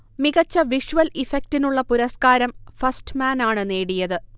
മികച്ച വിഷ്വൽ ഇഫക്ടിനുള്ള പുരസ്ക്കാരം ഫസ്റ്റ്മാനാണ് നേടിയത്